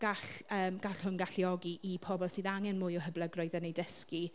gall yym gall hwn galluogi i pobl sydd angen mwy o hyblygrwydd yn eu dysgu.